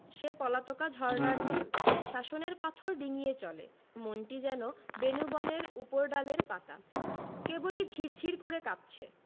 সে পলাতকা ঝরনার জল শাসনের পাথর ডিঙ্গিয়ে চলে তার মনটি যেন বেনূবনের উপরডালের পাতা কেবলি ঝির ঝির করে কাঁপছে